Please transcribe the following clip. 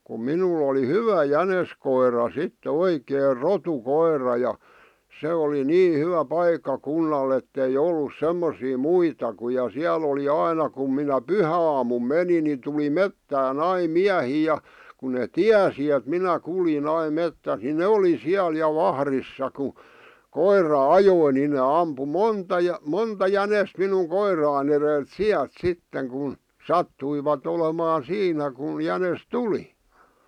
kun minulla oli hyvä jäniskoira sitten oikein rotukoira ja se oli niin hyvä paikkakunnalla että ei ollut semmoisia muita kuin ja siellä oli aina kun minä pyhäaamuna menin niin tuli metsään aina miehiä ja kun ne tiesi että minä kuljin aina metsässä niin ne oli siellä ja vahdissa kun koira ajoi niin ne ampui monta - monta jänistä minun koirani edeltä sieltä sitten kun sattuivat olemaan siinä kun jänis tuli